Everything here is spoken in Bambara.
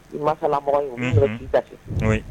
I ma bɛ sɔrɔ da kɛ